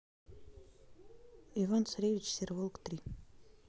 иван царевич и серый волк три